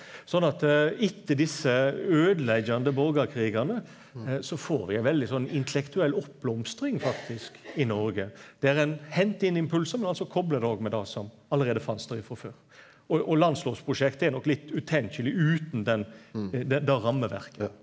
sånn at etter desse øydeleggjande borgarkrigane så får vi ein veldig sånn intellektuell oppblomstring faktisk i Noreg der ein hentar inn impulsar men altså koplar det òg med det som allereie fanst der ifrå før, og og landslovsprosjektet er nok litt utenkjeleg utan den det rammeverket.